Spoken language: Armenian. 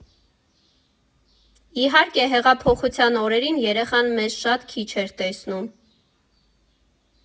Իհարկե, հեղափոխության օրերին երեխան մեզ շատ քիչ էր տեսնում.